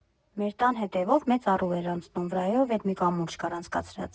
Մեր տան հետևով մեծ առու էր անցնում, վրայով էլ մի կամուրջ կար անցկացրած։